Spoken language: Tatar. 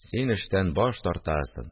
Син эштән баш тартасың